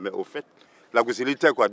mɛ ofɛte lagosili tɛ kuwa